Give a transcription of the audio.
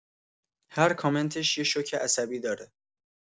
هر کامنتش یه شوک عصبی داره!